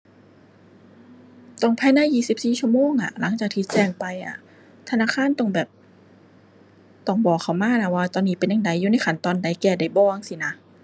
ต้องภายในยี่สิบสี่ชั่วโมงอะ หลังจากที่แจ้งไปอะ ธนาคารต้องแบบ ต้องบอกเข้ามาน่ะว่าตอนนี้เป็นจั่งใด อยู่ในขั้นตอนใด แก้ได้บ่จั่งซี้น่ะ